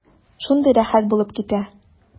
Шундый рәхәт булып китә.